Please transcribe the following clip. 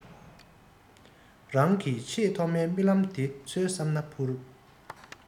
རང གི ཆེས ཐོག མའི རྨི ལམ དེ འཚོལ བསམ ན འཕུར